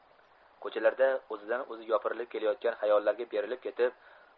ko'chalarda o'zidan o'zi yopirilib kelayotgan hayollarga berilib ketib